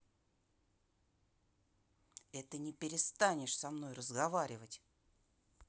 это не перестанешь со мной разговаривать